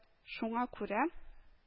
Шуңа күрә